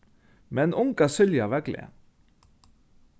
men unga silja var glað